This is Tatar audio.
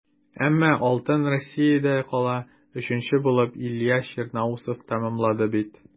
Әмма алтын Россиядә кала - өченче булып Илья Черноусов тәмамлады бит.